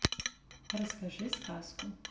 расскажи сказку